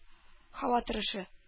Һава торышы